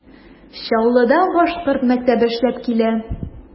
Чаллыда башкорт мәктәбе эшләп килә.